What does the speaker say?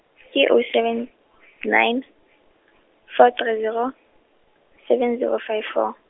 ke oh seven , nine, four three zero, seven zero five four.